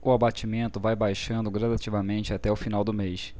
o abatimento vai baixando gradativamente até o final do mês